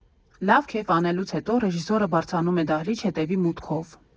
Լավ քեֆ անելուց հետո ռեժիսորը բարձրանում է դահլիճ՝ հետևի մուտքով։